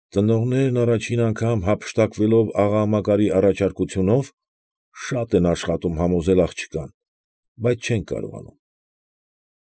Ծնողներն առաջին անգամ հափշտակվելով աղա Մակարի առաջարկութենով, շատ են աշխատում համոզել աղջկան, բայց չեն հաջողում։